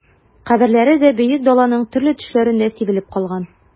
Каберләре дә Бөек Даланың төрле төшләрендә сибелеп калган...